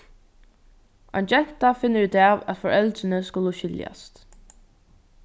ein genta finnur útav at foreldrini skulu skiljast